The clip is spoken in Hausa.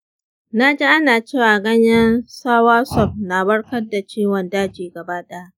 na ji ana cewa ganyen soursop na warkar da ciwion daji gaba ɗaya.